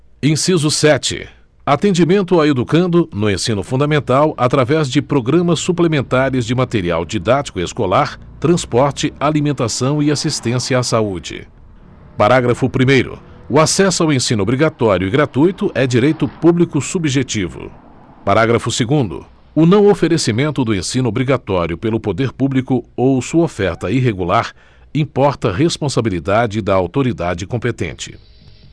inciso sete atendimento ao educando no ensino fundamental através de programas suplementares de material didático escolar transporte alimentação e assistência à saúde parágrafo primeiro o acesso ao ensino obrigatório e gratuito é direito público subjetivo parágrafo segundo o não oferecimento do ensino obrigatório pelo poder público ou sua oferta irregular importa responsabilidade da autoridade competente